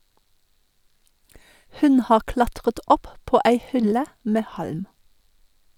Hun har klatret opp på ei hylle med halm.